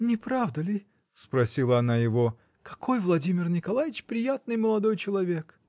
-- Не правда ли, -- спросила она его, -- какой Владимир Николаич приятный молодой человек!